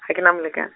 ha kena moleka-.